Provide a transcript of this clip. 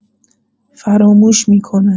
فراموش می‌کند.